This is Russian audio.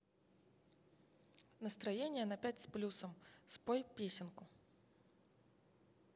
настроение на пять с плюсом спой песенку